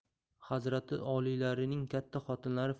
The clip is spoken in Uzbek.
hazrati oliylarining katta xotinlari